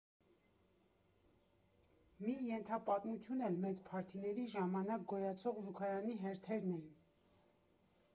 Մի ենթապատմություն էլ մեծ փարթիների ժամանակ գոյացող զուգարանի հերթերն էին։